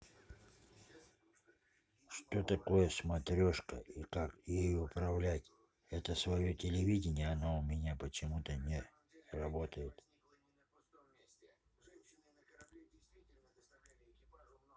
что такое смотрешка и как ее управлять это свое телевидение оно у меня почему то не работает